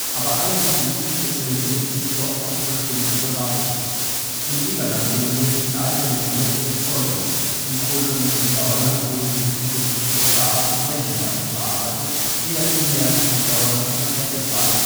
aber alle Gebiete spezialisierten sich doch auf bestimmte Bereiche. Im Siegerland dominierte die Eisengewinnung und - erzeugung, im kurkölnischen Sauerland wurden diese Produkte zu Stahl und Blechen weiterverarbeitet, die dann im märkischen Sauerland zu Fertigwaren